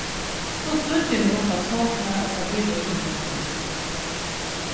so stríddi eg meg upp av sofuni og fór yvir til bussin